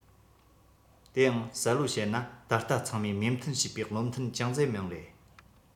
དེའང གསལ པོ བཤད ན ད ལྟ ཚང མས མོས མཐུན བྱས པའི བློ ཐུན ཅང ཙེ མིང རེད